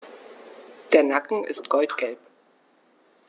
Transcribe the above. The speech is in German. Der Nacken ist goldgelb.